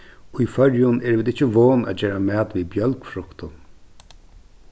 í føroyum eru vit ikki von at gera mat við bjølgfruktum